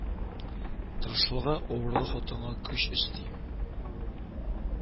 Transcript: Тырышлыгы авырлы хатынга көч өсти